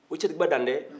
o cɛtigiba dantɛ